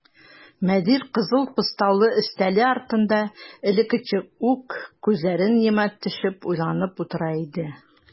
Мөдир кызыл постаулы өстәле артында элеккечә үк күзләрен йома төшеп уйланып утыра иде.